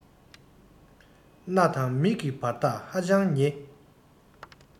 སྣ དང མིག གི བར ཐག ཧ ཅང ཉེ